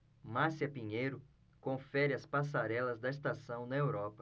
márcia pinheiro confere as passarelas da estação na europa